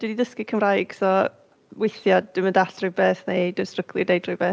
Dwi 'di dysgu Cymraeg so weithiau dwi'm yn dallt rhywbeth neu dwi'n stryglo i deud rywbeth.